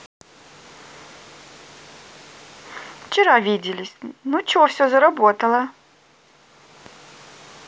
вчера виделись ну че все заработало